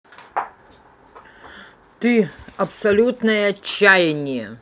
ты абсолютное отчаяние